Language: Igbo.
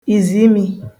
ìziimī